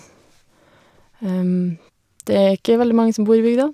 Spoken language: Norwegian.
Det er ikke veldig mange som bor i bygda.